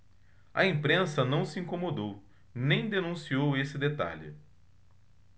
a imprensa não se incomodou nem denunciou esse detalhe